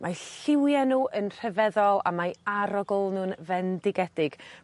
Mae lliwie n'w yn rhyfeddol a mae arogl nw'n fendigedig.